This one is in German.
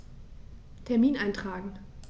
Termin eintragen